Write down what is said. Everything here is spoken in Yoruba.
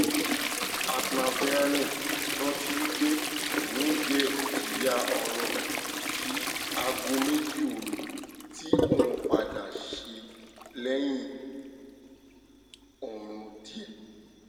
Atnaf Berhane rántí wípé òún jẹ ìyà oró di aago méjì òru tí òún padà sí lẹ́yìn oorun díẹ̀.